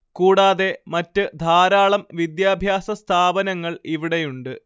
കൂടാതെ മറ്റ് ധാരാളം വിദ്യാഭ്യാസ സ്ഥാപനങ്ങള്‍ ഇവിടെയുണ്ട്